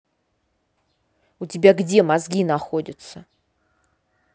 у тебя где мозги находятся